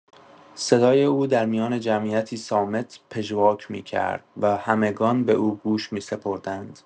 صدای او در میان جمعیتی صامت پژواک می‌کرد و همگان به او گوش می‌سپردند.